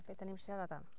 Be dan ni'n mynd i siarad am?